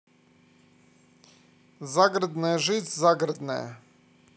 загородная жизнь загородная